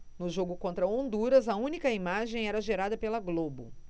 no jogo contra honduras a única imagem era gerada pela globo